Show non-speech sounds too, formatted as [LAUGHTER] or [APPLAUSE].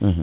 [HESITATION] [HESITATION]